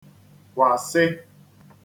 kwàsị